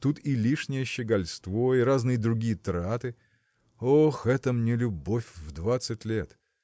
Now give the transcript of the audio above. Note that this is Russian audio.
тут и лишнее щегольство и разные другие траты. Ох, эта мне любовь в двадцать лет!